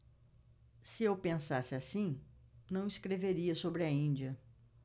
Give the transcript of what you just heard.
se eu pensasse assim não escreveria sobre a índia